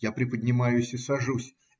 Я приподнимаюсь и сажусь.